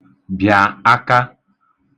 bị̀a aka